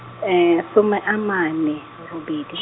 some amane, robedi.